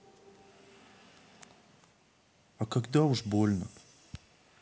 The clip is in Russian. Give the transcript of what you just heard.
а куда уж больно